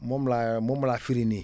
moom laa moom laa firi nii